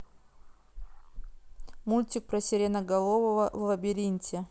мультик про сереноголового в лабиринте